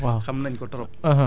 ñun ñëpp waa waaw waaw